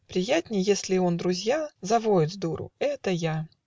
Приятней, если он, друзья, Завоет сдуру: это я!